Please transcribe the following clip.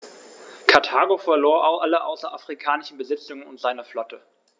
Karthago verlor alle außerafrikanischen Besitzungen und seine Flotte.